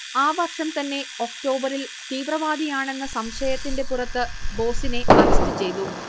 ആ വർഷം തന്നെ ഒക്ടോബറിൽ തീവ്രവാദിയാണെന്ന സംശയത്തിന്റെ പുറത്ത് ബോസിനെ അറസ്റ്റ് ചെയ്തു